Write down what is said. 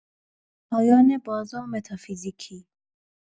پایان باز و متافیزیکی